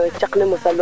waga weta na in gon le